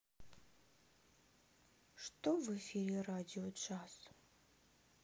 что в эфире радио джаз